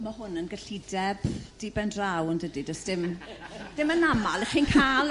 Ma' hwn yn gyllideb di ben draw yndydi? Do's dim... Dim yn aml 'ych chi'n ca'l